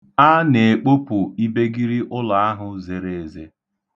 A na-ekpopu ibegiri ụlọ ahụ zere eze.